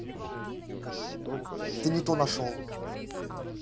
ты не то нашел